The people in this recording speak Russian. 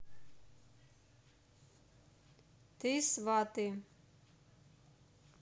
ты сваты